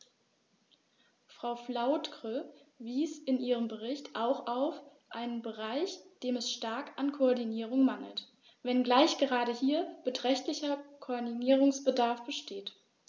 Frau Flautre verwies in ihrem Bericht auch auf einen Bereich, dem es stark an Koordinierung mangelt, wenngleich gerade hier beträchtlicher Koordinierungsbedarf besteht.